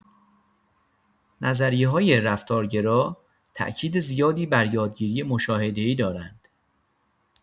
نظریه‌های رفتارگرا تاکید زیادی بر یادگیری مشاهده‌ای دارند.